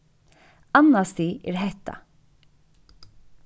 annað stig er hetta